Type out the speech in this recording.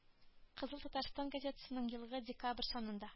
Кызыл татарстан газетасының елгы декабрь санында